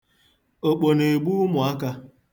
Okpo na-egbu ụmụaka.